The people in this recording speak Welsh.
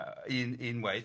yy un unwaith.